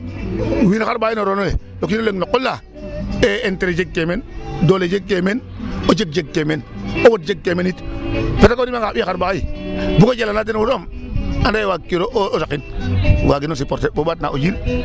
Parce que o riiga xa ɓiy xarɓaxay bug o jalanaa den wo dong ande waagkiro o saqin waagino supporter bo ɓaatna o jir .